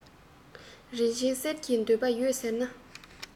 རིན ཆེན གསེར གྱི འདོད པ ཡོད ཟེར ན